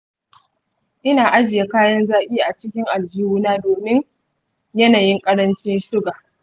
ina ajiye kayan zaƙi a cikin aljihuna domin yanayoyin ƙarancin suga.